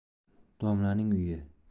domlaning uyi